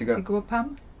ti'n gwbod...Ti'n gwybod pam?